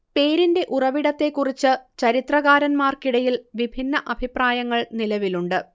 പേരിന്റെ ഉറവിടത്തെക്കുറിച്ച് ചരിത്രകാരന്മാർക്കിടയിൽ വിഭിന്ന അഭിപ്രായങ്ങൾ നിലവിലുണ്ട്